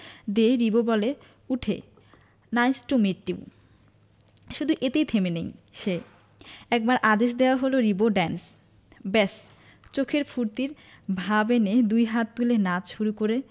দিয়ে রিবো বলে উঠে নাইস টু মিট ইউ শুধু এতেই থেমে নেই সে একবার আদেশ দেওয়া হলো রিবো ড্যান্স ব্যাস চোখে ফূর্তির ভাব এনে দুই হাত তুলে নাচ শুরু করে